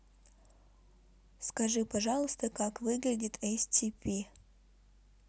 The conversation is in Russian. скажи пожалуйста как выглядит scp